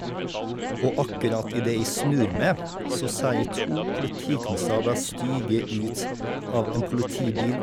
Og akkurat idet jeg snur meg, så ser jeg to politikonstabler stige ut av en politibil.